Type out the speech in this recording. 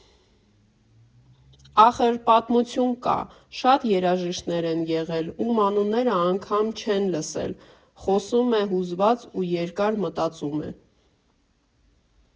Ախր պատմություն կա, շատ երաժիշտներ են եղել, ում անունները անգամ չեն լսել, ֊ խոսում է հուզված ու երկար մտածում է։